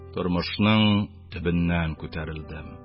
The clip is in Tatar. Тормышның төбеннән күтәрелдем.